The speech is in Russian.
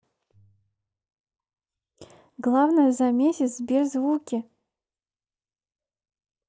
главное за месяц в сберзвуке